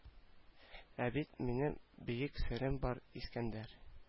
Ә бит минем бөек серем бар искәндәр